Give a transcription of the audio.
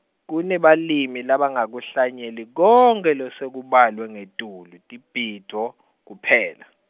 Kunebalimi labangakuhlanyeli konkhe losekubalwe ngetulu, tibhidvo, kuphela.